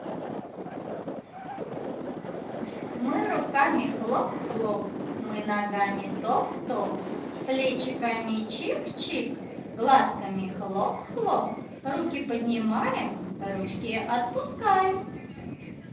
мы руками хлоп хлоп мы ногами топ топ плечиками чик чик глазками хлоп хлоп руки поднимаем ручки отпускаю